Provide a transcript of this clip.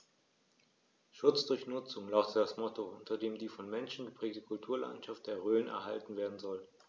„Schutz durch Nutzung“ lautet das Motto, unter dem die vom Menschen geprägte Kulturlandschaft der Rhön erhalten werden soll.